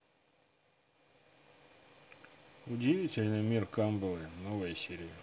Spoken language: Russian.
удивительный мир камбалы новые серии